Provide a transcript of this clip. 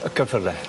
Y cyffyle.